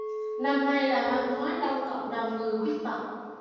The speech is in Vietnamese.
năm nay là văn hóa trong cộng đồng người khuyết tật